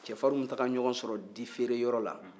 cɛfarinw taara ɲɔgɔn sɔrɔ difeere yɔrɔ la